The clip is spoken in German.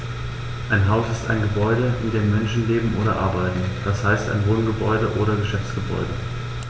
Ein Haus ist ein Gebäude, in dem Menschen leben oder arbeiten, d. h. ein Wohngebäude oder Geschäftsgebäude.